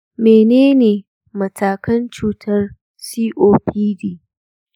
menene matakan cutar copd?